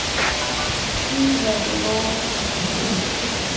че заглохло